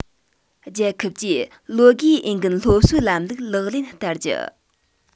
རྒྱལ ཁབ ཀྱིས ལོ དགུའི འོས འགན སློབ གསོའི ལམ ལུགས ལག ལེན བསྟར རྒྱུ